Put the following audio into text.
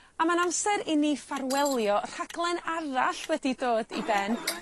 A ma'n amser i ni ffarwelio rhaglen arall wedi dod i ben